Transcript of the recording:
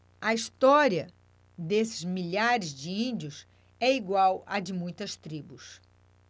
a história desses milhares de índios é igual à de muitas tribos